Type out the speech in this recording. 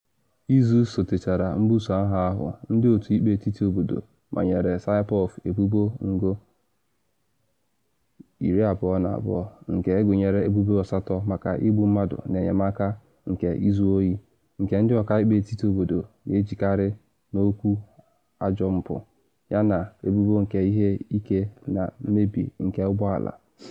Izu sotechara mbuso agha ahụ, ndị otu ikpe etiti obodo manyere Saipov ebubo ngụ-22 nke gụnyere ebubo asatọ maka igbu mmadụ n’enyemaka nke izu oyi, nke ndị ọkaikpe etiti obodo na ejikarị n’okwu ajọ mpu, yana ebubo nke ihe ike na mmebi nke ụgbọ ala.